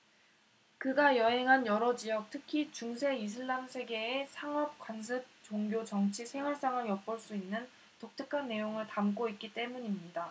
그가 여행한 여러 지역 특히 중세 이슬람 세계의 상업 관습 종교 정치 생활상을 엿볼 수 있는 독특한 내용을 담고 있기 때문입니다